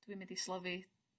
dw i'n mynd i slofi.